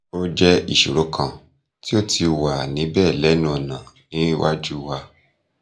Ó jẹ́ ìṣòro kan tí ó ti wà níbẹ̀ lẹ́nu ọ̀nà níwájú wa.